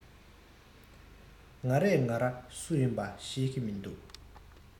ང རས ང ར སུ ཡིན པ ཤེས གི མི འདུག